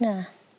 Na.